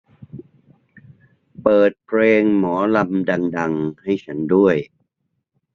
เปิดเพลงหมอลำดังดังให้ฉันด้วย